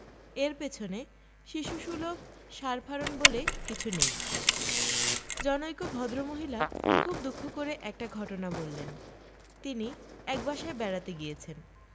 এর পেছনে শিশুসুলভ সার ফারন বলে কিছু নেই জনৈক ভদ্রমহিলা খুব দুঃখ করে একটা ঘটনা বললেন তিনি এক বাসায় বেড়াতে গিয়েছেন